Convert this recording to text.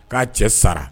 K'a cɛ sara